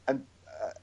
yn yy